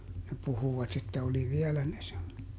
ne puhuivat että oli vielä ne -